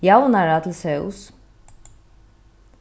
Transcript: javnara til sós